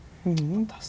ja.